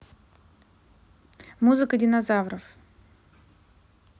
музыка динозавров